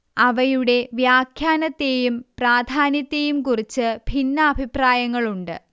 അവയുടെ വ്യാഖ്യാനത്തേയും പ്രാധാന്യത്തേയും കുറിച്ച് ഭിന്നാഭിപ്രായങ്ങളുണ്ട്